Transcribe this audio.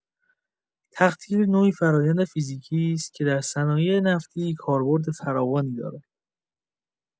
تقطیر نوعی فرآیند فیزیکی است که در صنایع نفتی کاربرد فراوانی دارد.